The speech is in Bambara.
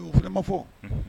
U y'o fana ma fɔ